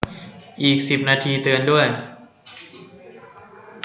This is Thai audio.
อีกสิบนาทีเตือนด้วย